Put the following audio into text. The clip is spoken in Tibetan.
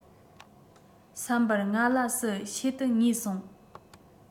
བསམ པར ང ལ སྲིད ཕྱེད དུ ངུས སོང